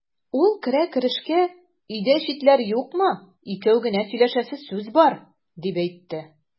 Ул керә-керешкә: "Өйдә читләр юкмы, икәү генә сөйләшәсе сүз бар", дип әйтте.